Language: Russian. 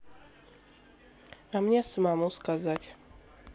а мне самому сказать